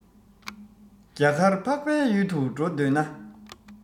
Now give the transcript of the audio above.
རྒྱ གར འཕགས པའི ཡུལ དུ འགྲོ འདོད ན